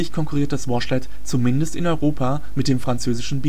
konkurriert das Washlet zumindest in Europa mit dem französischen